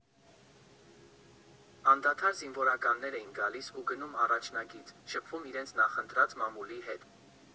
Անդադար զինվորականներ էին գալիս ու գնում առաջնագիծ, շփվում իրենց նախընտրած մամուլի հետ։